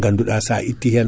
ko ganduɗa sa itti hen